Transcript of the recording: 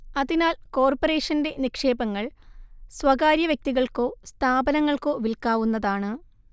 അതിനാൽ കോർപ്പറേഷന്റെ നിക്ഷേപങ്ങൾ സ്വകാര്യവ്യക്തികൾക്കോ സ്ഥാപനങ്ങൾക്കോ വിൽക്കാവുന്നതാണ്